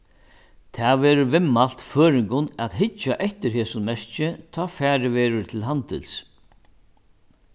tað verður viðmælt føroyingum at hyggja eftir hesum merki tá farið verður til handils